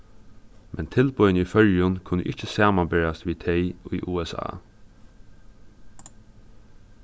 men tilboðini í føroyum kunnu ikki samanberast við tey í usa